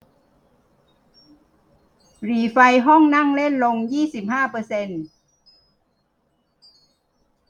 หรี่ไฟห้องนั่งเล่นลงยี่สิบห้าเปอร์เซ็นต์